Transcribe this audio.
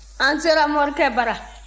an sera morikɛ bara